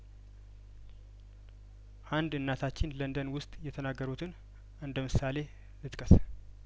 አንድ እናታችን ለንደን ውስጥ የተናገሩትን እንደ ምሳሌ ልጥቀስ